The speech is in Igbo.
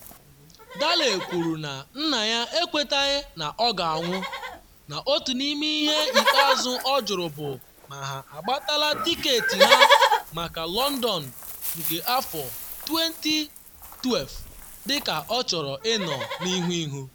Daley kwuru na nna ya ekwetaghị na ọ ga-anwụ, na otu n’ime ihe ikpeazụ ọ jụrụ bụ ma ha gbatala tịketị ha maka London 2012 - dịka ọ chọrọ ịnọ n’ịhu ihu.